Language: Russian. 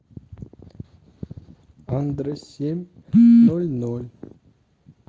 андро семь ноль ноль